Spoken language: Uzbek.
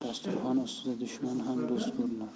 dasturxon ustida dushman ham do'st ko'rinar